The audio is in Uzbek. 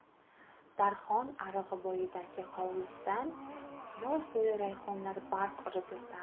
darhon arig'i bo'yidagi hovlisida yoz bo'yi rayhonlar barq urib yotardi